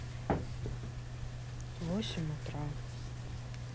восемь утра